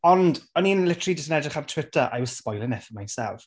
Ond o'n i'n literally jyst edrych ar Twitter. I was spoiling it for myself.